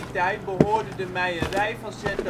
tijdvak van